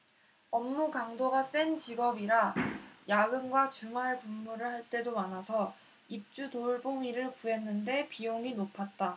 업무 강도가 센 직업이라 야근과 주말근무를 할 때도 많아서 입주돌보미를 구했는데 비용이 높았다